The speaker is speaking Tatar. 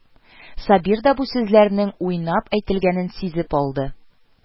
Сабир да бу сүзләрнең уйнап әйтелгәнен сизеп алды